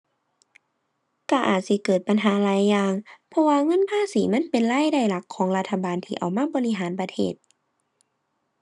ก็อาจสิเกิดปัญหาหลายอย่าง เพราะว่าเงินภาษีมันเป็นรายได้หลักของรัฐบาลที่เอามาบริหารประเทศ